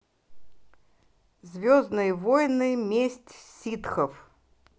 звездные войны месть ситхов